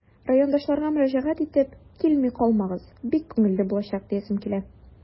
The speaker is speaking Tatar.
Райондашларга мөрәҗәгать итеп, килми калмагыз, бик күңелле булачак диясем килә.